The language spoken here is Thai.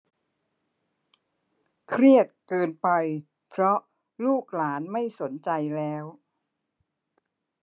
เครียดเกินไปเพราะลูกหลานไม่สนใจแล้ว